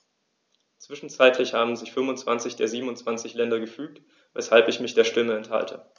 Zwischenzeitlich haben sich 25 der 27 Länder gefügt, weshalb ich mich der Stimme enthalte.